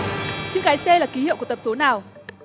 chữ cái xê là kí hiệu của tập số nào